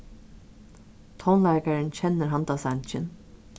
tónleikarin kennir handan sangin